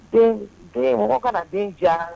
Den. . Den, mɔgɔ kana den ja